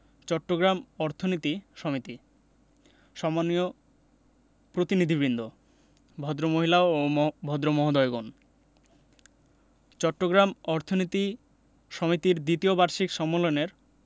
চট্টগ্রাম অর্থনীতি সমিতি সম্মানীয় প্রতিনিধিবৃন্দ ভদ্রমহিলা ও ভদ্রমহোদয়গণ চট্টগ্রাম অর্থনীতি সমিতির দ্বিতীয় বার্ষিক সম্মেলনের